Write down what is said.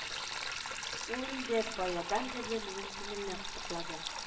Ул инде баядан бирле минем күңелне кытыклады